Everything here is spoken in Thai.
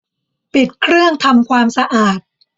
ปิดเครื่องทำสะอาด